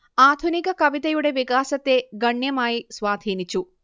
ആധുനിക കവിതയുടെ വികാസത്തെ ഗണ്യമായി സ്വാധീനിച്ചു